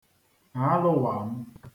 àlụwaam